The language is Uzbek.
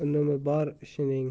unumi bor ishining